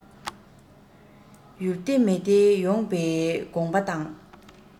ཡུལ བདེ མི བདེ ཡོངས པའི དགོངས པ དང